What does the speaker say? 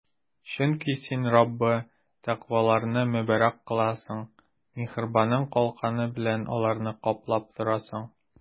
Чөнки Син, Раббы, тәкъваларны мөбарәк кыласың, миһербаның калканы белән аларны каплап торасың.